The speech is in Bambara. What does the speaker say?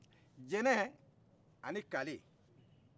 jɛnɛ ani kale